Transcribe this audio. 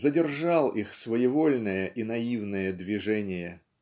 задержал их своевольное и наивное движение.